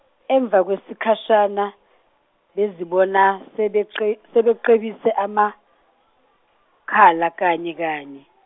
emva kwesikhashana, bazibona sebece- sebegebise amakhala kanye kanye.